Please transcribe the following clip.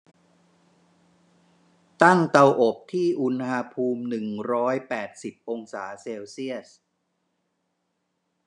ตั้งเตาอบที่อุณหภูมิหนึ่งร้อยแปดสิบองศาเซลเซียส